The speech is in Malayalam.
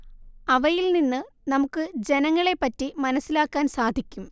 അവയിൽ നിന്ന് നമുക്ക് ജനങ്ങളെ പറ്റി മനസ്സിലാക്കാൻ സാധിക്കും